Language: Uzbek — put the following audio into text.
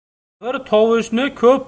bir tovushni ko'p